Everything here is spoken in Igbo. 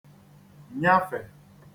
nyafè